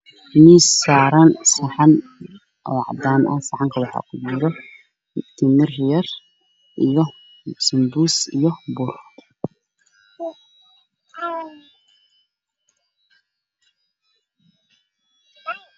Waa miis waxaa saaran saxan oo cadaan ah waxaa kujiro sanbuus iyo timir yar iyo bur.